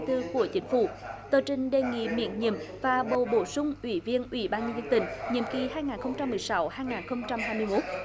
tư của chính phủ tờ trình đề nghị miễn nhiệm và bầu bổ sung ủy viên ủy ban nhân dân tỉnh nhiệm kỳ hai nghìn không trăm mười sáu hai nghìn không trăm hai mươi mốt